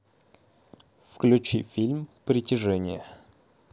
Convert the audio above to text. включи фильм притяжение